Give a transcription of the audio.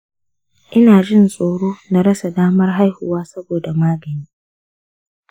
ina jin tsoro na rasa damar haihuwa saboda magani.